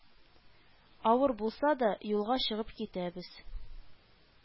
Авыр булса да, юлга чыгып китәбез